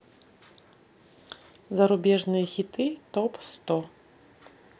зарубежные хиты топ сто